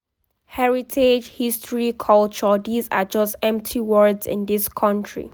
Heritage, history, culture these are just empty words in this country!